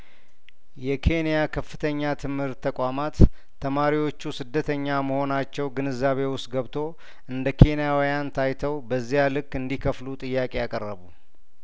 የኬንያከፍተኛ ትምህርት ተቋማት ተማሪዎቹ ስደተኛ መሆናቸው ግንዛቤ ውስጥ ገብቶ እንደ ኬንያውያን ታይተው በዚያልክ እንዲ ከፍሉ ጥያቄ አቀረቡ